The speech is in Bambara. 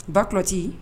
Ba kuloti